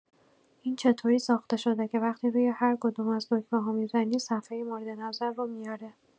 این چطوری ساخته‌شده که وقتی روی هر کدوم از دکمه‌ها می‌زنی، صفحه مورد نظر رو میاره؟